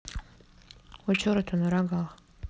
у черта на рогах